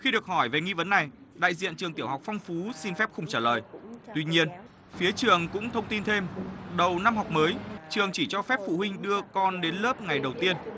khi được hỏi về nghi vấn này đại diện trường tiểu học phong phú xin phép không trả lời tuy nhiên phía trường cũng thông tin thêm đầu năm học mới trường chỉ cho phép phụ huynh đưa con đến lớp ngày đầu tiên